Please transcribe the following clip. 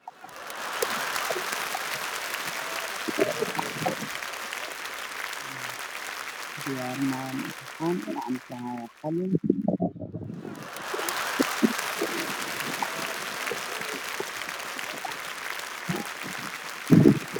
Waa iskuul waxaa fadhiya gabdho wataan xijaabo jaalle ah casharo ay qorayaan kuraas ay ku fadhiyaan waa guduud